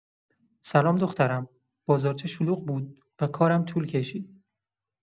سلام دخترم، بازارچه شلوغ بود و کارم طول کشید.